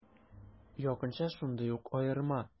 Якынча шундый ук аерма.